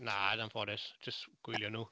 Na yn anffodus jyst gwylio nhw.